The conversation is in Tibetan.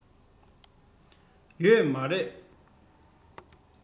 ཡོད མ རེད